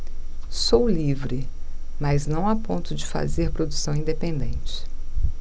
sou livre mas não a ponto de fazer produção independente